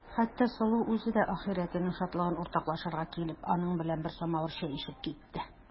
Хәтта Сылу үзе дә ахирәтенең шатлыгын уртаклашырга килеп, аның белән бер самавыр чәй эчеп китте.